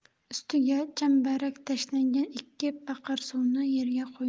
ustiga chambarak tashlangan ikki paqir suvni yerga qo'ydi